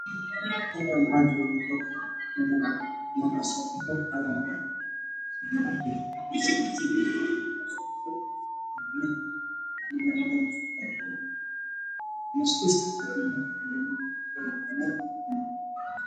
Halkaan waxaa joogo niman